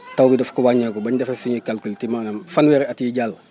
taw bi daf ko wàññeeku ba ñu defee suñuy calcul ci maanaam fanweeri at yii jàll